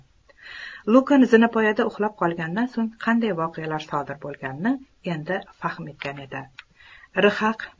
lukn zindonda uxlab qolganidan so'ng qanday voqealar sodir bo'lganini endi fahm etgan edi